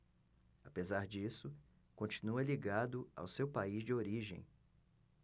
apesar disso continua ligado ao seu país de origem